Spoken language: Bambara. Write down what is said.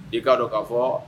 I ka dɔn ka fɔ